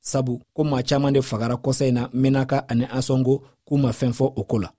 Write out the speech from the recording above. sabu ko maa caman fagara kɔsa in na menaka ni ansongo k'u ma fɛn fɔ o ko la